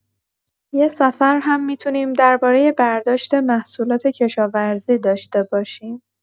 یه سفر هم می‌تونیم دربارۀ برداشت محصولات کشاورزی داشته باشیم.